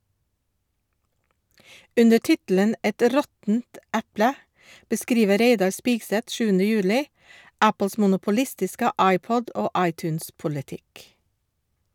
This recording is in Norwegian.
Under tittelen «Et råttent eple» beskriver Reidar Spigseth 7. juli Apples monopolistiske iPod- og iTunes-politikk.